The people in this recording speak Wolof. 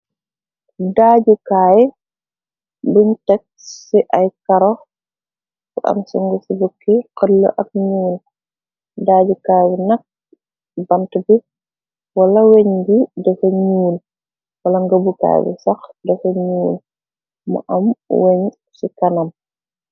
Daajukaay buñ tex ci ay karo bu am sa nga ci bukki xëll ak ñuul. daajukaay yu nakk bant bi wala weñ gi defe ñuul wala nga bukaay bi sax defe ñuul mu am weñ ci kanam.